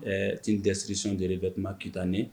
Ɛɛ une description des revêtements cutanés